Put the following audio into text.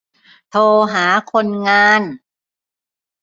โทรหาคนงาน